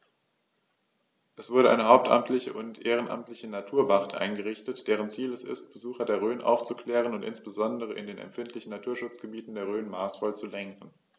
Es wurde eine hauptamtliche und ehrenamtliche Naturwacht eingerichtet, deren Ziel es ist, Besucher der Rhön aufzuklären und insbesondere in den empfindlichen Naturschutzgebieten der Rhön maßvoll zu lenken.